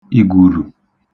ìgwùrù